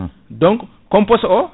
donc composte